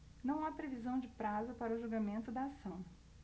não há previsão de prazo para o julgamento da ação